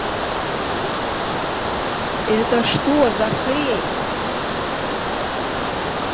это что за хрень